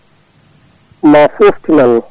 ma foftinam